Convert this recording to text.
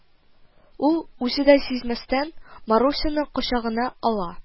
Ул, үзе дә сизмәстән, Марусяны кочагына ала